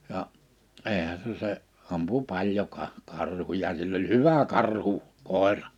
ja eihän se se ampui paljon - karhuja sillä oli hyvä - karhukoira